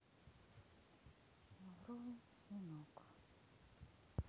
лавровый венок